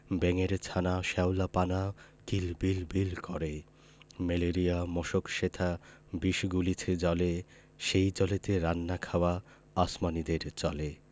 ব্যাঙের ছানা শ্যাওলা পানা কিল বিল বিল করে ম্যালেরিয়ার মশক সেথা বিষ গুলিছে জলে সেই জলেতে রান্না খাওয়া আসমানীদের চলে